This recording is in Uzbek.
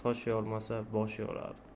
tosh yormasa bosh yorar